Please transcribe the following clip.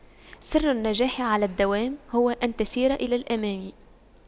سر النجاح على الدوام هو أن تسير إلى الأمام